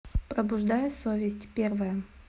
пробуждающая совесть первая